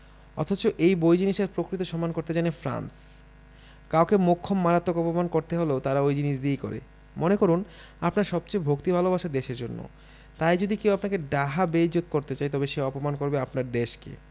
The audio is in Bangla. অথচ এই বই জিনিসটার প্রকৃত সম্মান করতে জানে ফ্রান্স কাউকে মোক্ষম মারাত্মক অপমান করতে হলেও তারা ওই জিনিস দিয়েই করে মনে করুন আপনার সবচেয়ে ভক্তি ভালবাসা দেশের জন্য তাই যদি কেউ আপনাকে ডাহা বেইজ্জত্ করতে চায় তবে সে অপমান করবে আপনার দেশকে